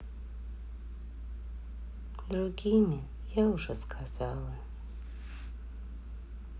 другими я уже сказал